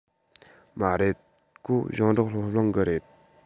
མ རེད ཁོ ཞིང འབྲོག སློབ གླིང གི རེད